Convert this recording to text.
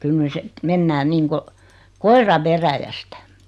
kyllä nyt sitten mennään niin kuin koira veräjästä